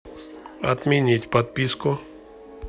отменить подписку